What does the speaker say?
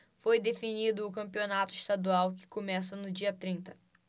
foi definido o campeonato estadual que começa no dia trinta